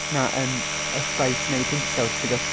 Na yym effaith newid hinsawd ti'n gwbod?